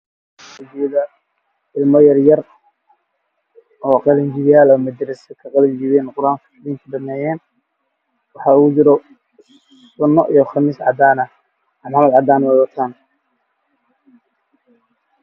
Meeshaan waxay iga muuqda ilmeyr yar oo wata qamiisiyo cadcad oo qalinjebiyeen